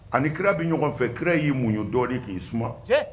Ani kira bɛ ɲɔgɔn fɛ kira y'i mun ye dɔɔni k'i suma